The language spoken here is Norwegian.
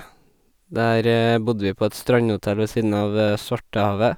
Der bodde vi på et strandhotell ved siden av Svartehavet.